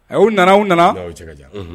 A y'o nana nana a y'o cɛ ka diya